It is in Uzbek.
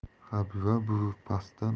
habiba buvi pastdan